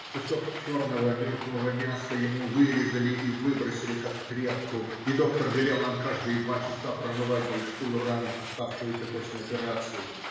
Кусок черного мертвого мяса ему вырезали и выбросили, как тряпку, и доктор велел нам каждые два часа промывать большую рану, оставшуюся после операции.